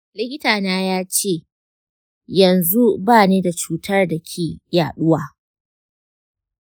likitana ya ce yanzu ba ni da cutar da ke yaduwa.